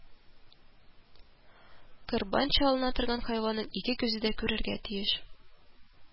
Корбан чалына торган хайванның ике күзе дә күрергә тиеш